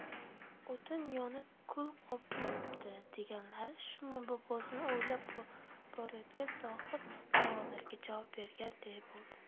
o'tin yonib kul qolibdi deganlari shumi bobosini o'ylab borayotgan zohid savollariga javob topganday bo'ldi